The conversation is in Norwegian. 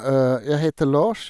Jeg heter Lars.